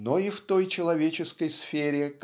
Но и в той человеческой сфере